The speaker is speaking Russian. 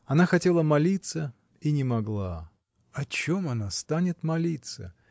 Она хотела молиться и не могла. О чем она станет молиться?